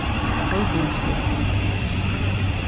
torgrímsgøta